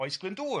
Oes Glyndŵr.